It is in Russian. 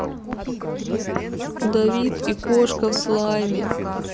давид и кошка в слайме